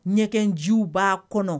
Ɲɛgɛnjiw b'a kɔnɔ